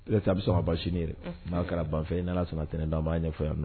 A bɛ sɔn haba siniinin yɛrɛ'a kɛra banfɛ ye n nana sɔrɔ ntɛnɛntan m'a ɲɛ ɲɛfɔ yan